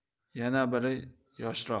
yana biri yoshroq